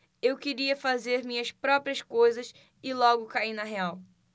eu queria fazer minhas próprias coisas e logo caí na real